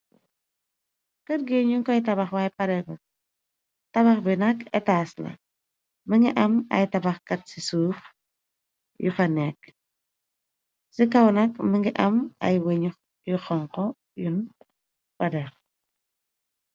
Kër gie ñu koy tabax waay paredeb , tabax bi nakk etaas la , më ngi am ay tabaxkat ci suuf yu fa nekka, ci kaw nak më ngi am ay weñu yu xonko yun padex.